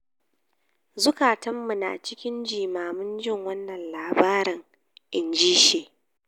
"Zukatanmu na cikin jimamin jin wannan labarin," in ji shi.